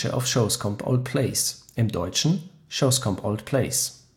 of Shoscombe Old Place (dt.: Shoscombe Old Place